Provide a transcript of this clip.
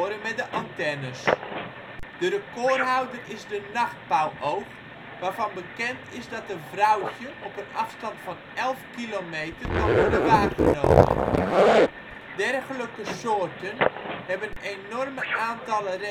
met de antennes. De recordhouder is de de nachtpauwoog, waarvan bekend is dat een vrouwtje op een afstand van elf kilometer kan worden waargenomen. Dergelijke soorten hebben enorme aantallen